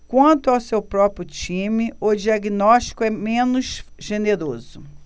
quanto ao seu próprio time o diagnóstico é menos generoso